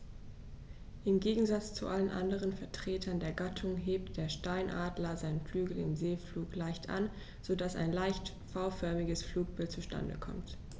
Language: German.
Im Gegensatz zu allen anderen Vertretern der Gattung hebt der Steinadler seine Flügel im Segelflug leicht an, so dass ein leicht V-förmiges Flugbild zustande kommt.